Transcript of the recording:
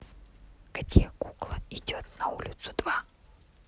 где кукла идет на улицу два